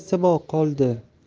nima manisi qoldi